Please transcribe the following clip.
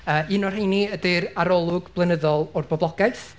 yy un o'r rheini ydy'r arolwg blynyddol o'r boblogaeth.